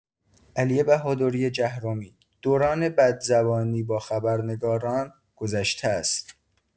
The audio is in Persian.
علی بهادری جهرمی: دوران بدزبانی با خبرنگاران گذشته است.